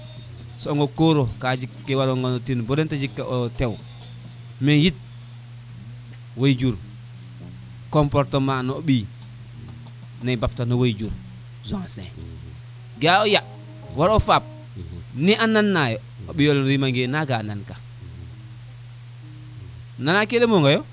soɓa nga o koro ka jeg ke waro nga no ten bo nene te jeg ka o tew me yit wejuur comportement no ɓiy ne bafta no wejuur Zancier ga a o ya wala faap ne e nana yo o ɓiyo nge rima nge naga nan ka nana ke leyuma yo